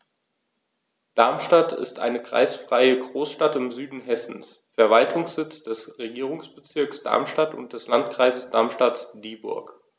Darmstadt ist eine kreisfreie Großstadt im Süden Hessens, Verwaltungssitz des Regierungsbezirks Darmstadt und des Landkreises Darmstadt-Dieburg.